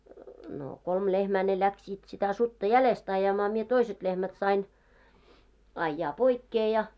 no kolme lehmää ne lähtivät sitä sutta jäljestä ajamaan minä toiset lehmät sain ajaa poikkeen ja